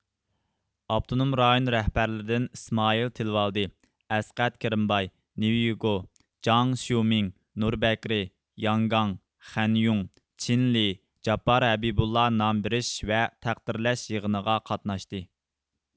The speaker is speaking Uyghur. ئاپتونوم رايون رەھبەرلىرىدىن ئىسمائىل تىلىۋالدى ئەسقەت كىرىمباي نىۋېيگو جاڭ شيۇمىڭ نۇر بەكرى ياڭگاڭ خەنيوڭ چېن لېي جاپپار ھەبىبۇللا نام بېرىش ۋە تەقدىرلەش يىغىنىغا قاتناشتى